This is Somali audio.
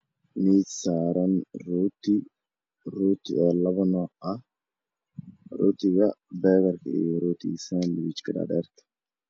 Mise saaran rooti laba nooc ah rooti dhaadheer iyo rooti ambega kalarkiisa waa jabaallo